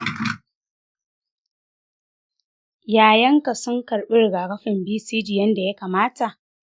yayanka sun karɓi rigakafin bcg yadda ya kamata?